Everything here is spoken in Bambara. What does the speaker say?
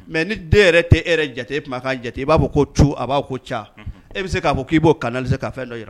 Mɛ ni den yɛrɛ tɛ e yɛrɛ jate e'a jate i b'a fɔ ko a b'a ko ca e bɛ se k'a fɔ k'i b'o kana se ka fɛn dɔ yɔrɔ